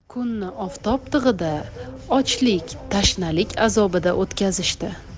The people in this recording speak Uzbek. kunni oftob tig'ida ochlik tashnalik azobida o'tqazishdi